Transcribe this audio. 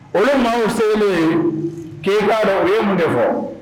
Olu maa selen, k'i k'a dɔn u ye mun de fɔ